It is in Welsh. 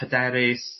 hyderus